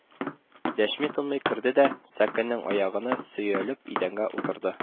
Дәшми-тынмый керде дә, сәкенең аягына сөялеп идәнгә утырды